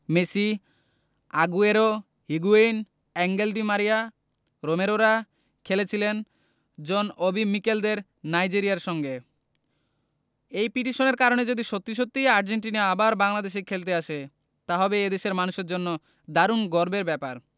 Messi Aguero Higuain Angel di Maria রোমেরোরা খেলেছিলেন John Obi মিকেলদের নাইজেরিয়ার সঙ্গে এই পিটিশনের কারণে যদি সত্যি সত্যিই আর্জেন্টিনা আবার বাংলাদেশে খেলতে আসে তা হবে এ দেশের মানুষের জন্য দারুণ গর্বের ব্যাপার